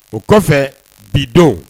O kɔfɛ bi don